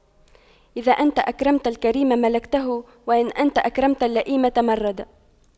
إذا أنت أكرمت الكريم ملكته وإن أنت أكرمت اللئيم تمردا